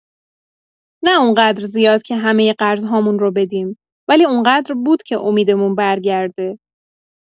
نه اون‌قدر زیاد که همۀ قرض‌هامون رو بدیم، ولی اون‌قدر بود که امیدمون برگرده.